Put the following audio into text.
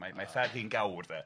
Mae mae ei thad hi'n gawr de.